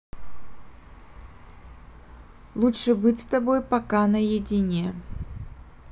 лучше быть с тобой пока на едине